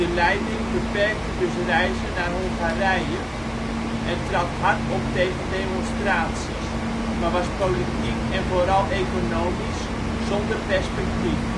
leiding beperkte dus reizen naar Hongarije en trad hard op tegen demonstraties, maar was politiek en vooral economisch zonder perspektief